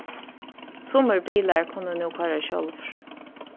summir bilar kunnu nú koyra sjálvir